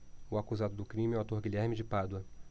o acusado do crime é o ator guilherme de pádua